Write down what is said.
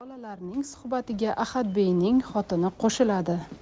bolalarning suhbatiga ahadbeyning xotini qo'shiladi